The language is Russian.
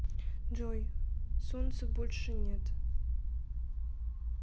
джой солнца больше нет